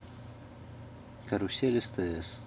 карусель стс